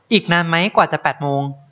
อีกนานไหมกว่าจะแปดโมง